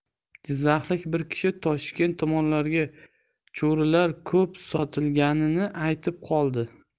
jizzaxlik bir kishi toshkent tomonlarga cho'rilar ko'p sotilganini aytib qoldi